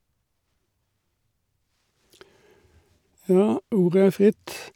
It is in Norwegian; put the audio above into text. Ja, ordet er fritt.